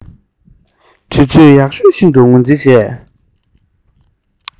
དུས ཚོད ཡག ཤོས ཤིག ཏུ ངོས འཛིན བྱེད